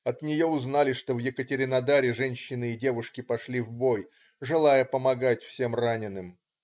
От нее узнали, что в Екатеринодаре женщины и девушки пошли в бой, желая помогать всем раненым.